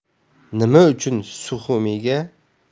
nima uchun suxumiga